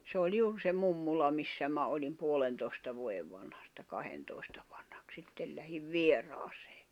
se oli juuri se mummola missä minä olin puolentoista vuoden vanhasta kahdentoista vanhaksi sitten lähdin vieraaseen